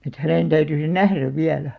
että hänen täytyi se nähdä vielä